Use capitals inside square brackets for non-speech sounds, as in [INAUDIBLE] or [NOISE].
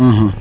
[HESITATION] [HESITATION]